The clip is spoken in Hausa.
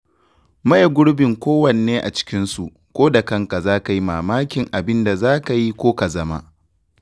Maye gurbin kowanne a cikinsu ko da kanka zaka yi mamakin abin da za ka yi ko ka zama